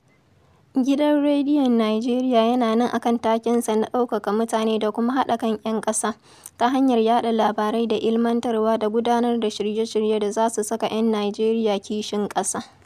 Gidan Rediyon Nijeriya yana nan akan takensa na ''ɗaukaka mutane da kuma haɗa kan 'yan ƙasa'' ta hanyar yaɗa labarai da ilmantarwa da gudanar da shirye-shirye da za su saka 'yan Nijeriya kishin ƙasa.